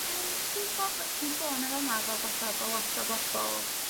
Yym chi'n 'bo' bo' chi'n sôn y' fanma fel fatha bo' lot o bobol